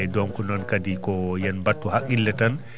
donc noon kadi ko yen mbattu haqqille tan